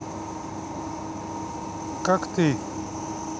как ты